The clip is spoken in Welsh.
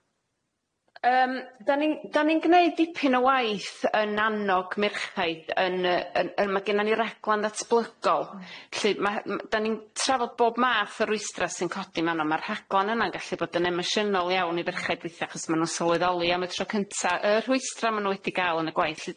Yym dan ni'n gneud dipyn o waith yn annog merchaid yn yy yn yy ma' gennon ni regla'n ddatblygol. Lly da ni'n trafod bob math o rwystra sy'n codi manw ma' rhaglan yna'n gallu bod yn emosiynol iawn i ferchaid dditha achos ma' nw'n sylweddoli am y tro cynta y rhwystra ma' nw wedi ga'l yn y gwaith lly.